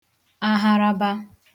agharaba